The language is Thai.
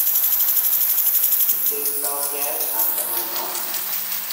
ปิดเตาแก๊สอัตโนมัติ